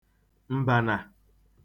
m̀bànà